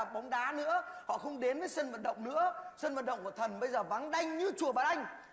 bóng đá nữa họ không đến với sân vận động nữa sân vận động của thần bây giờ vắng đanh như chùa bà đanh